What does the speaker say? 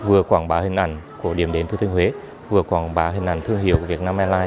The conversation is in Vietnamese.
vừa quảng bá hình ảnh của điểm đến thừa thiên huế vừa quảng bá hình ảnh thương hiệu việt nam e lai